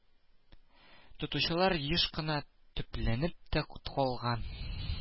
Тотучылар еш кына төпләнеп тә калган